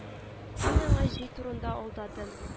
Мин аңа җөй турында алдадым